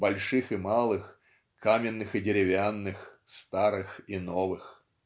больших и малых, каменных и деревянных, старых и новых")